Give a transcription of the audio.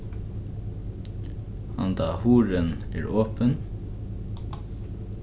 handan hurðin er opin